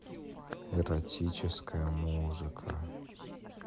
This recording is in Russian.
эротическая музыка